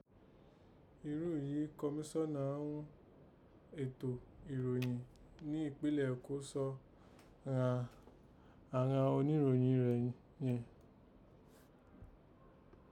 Irun yìí Kọ̀misọ́nà ghún ètò ìròyìn ní ìpínlè Èkó sọ ghàn àghan oníròyìn rèé yẹ̀n